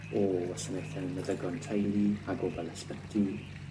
o wasanaethau meddygon teulu a gofal ysbyty